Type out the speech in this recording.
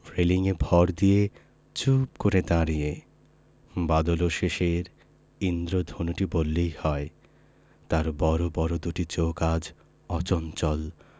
রেলিঙে ভর দিয়ে চুপ করে দাঁড়িয়ে বাদলশেষের ঈন্দ্রধনুটি বললেই হয় তার বড় বড় দুটি চোখ আজ অচঞ্চল